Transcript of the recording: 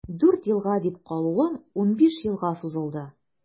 Дүрт елга дип калуым унбиш елга сузылды.